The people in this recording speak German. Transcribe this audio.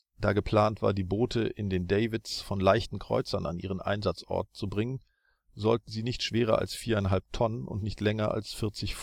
Da geplant war, die Boote in den Davits von leichten Kreuzern an ihren Einsatzort zu bringen, sollten sie nicht schwerer als 4,5 tons und nicht länger als 40